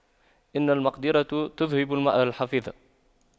إن المقْدِرة تُذْهِبَ الحفيظة